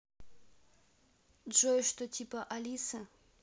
джой что типа алисы